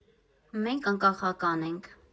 ՄԵՆՔ ԱՆԿԱԽԱԿԱՆ ԵՆՔ։